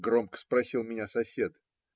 - громко спросил меня сосед.